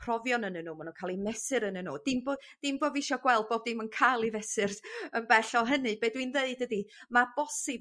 profion ynnyn nw ma' nw'n ca'l eu mesur ynnyn nw dim bo' dim bo' f'isio gweld bob dim yn ca'l 'i fesur yn bell o hynny be' dwi'n deud ydi ma' bosib